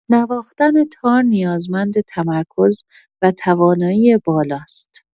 نواختن تار نیازمند تمرکز و توانایی بالاست.